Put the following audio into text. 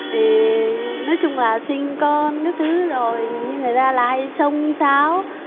thì nói chung là sinh con các thứ rồi như người ta là hay xông xáo